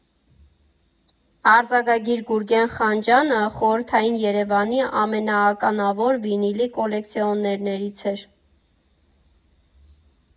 Արձակագիր Գուրգեն Խանջյանը խորհրդային Երևանի ամենաականավոր վինիլի կոլեկցիոներներից էր։